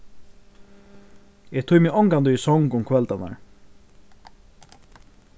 eg tími ongantíð í song um kvøldarnar